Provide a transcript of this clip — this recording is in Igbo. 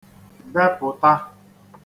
bepụ̀ta